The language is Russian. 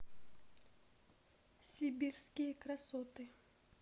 сибирские красоты